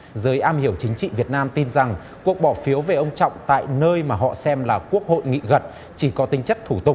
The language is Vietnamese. giới am hiểu chính trị việt nam tin rằng cuộc bỏ phiếu về ông trọng tại nơi mà họ xem là quốc hội nghị gật chỉ có tính chất thủ tục